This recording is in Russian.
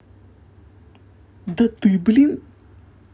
да ты блин